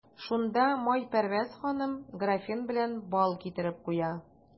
Шунда Майпәрвәз ханым графин белән бал китереп куя.